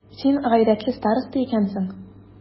Син гайрәтле староста икәнсең.